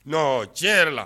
Nɔ tiɲɛ yɛrɛ la